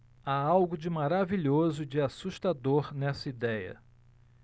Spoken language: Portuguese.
há algo de maravilhoso e de assustador nessa idéia